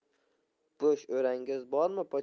bo'sh o'rangiz bormi